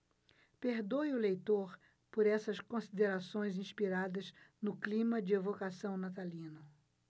perdoe o leitor por essas considerações inspiradas no clima de evocação natalino